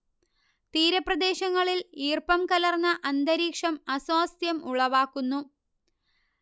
തീരപ്രദേശങ്ങളിൽ ഈർപ്പം കലർന്ന അന്തരീക്ഷം അസ്വാസ്ഥ്യം ഉളവാക്കുന്നു